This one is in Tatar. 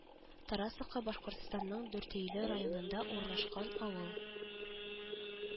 Тарасовка Башкортстанның Дүртөйле районында урнашкан авыл